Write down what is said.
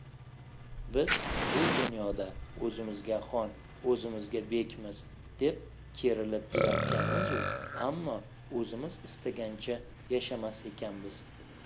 biz bu dunyoda o'zimizga xon o'zimizga bekmiz deb kerilib yurarkanmizu ammo o'zimiz istagancha yashamas ekanmiz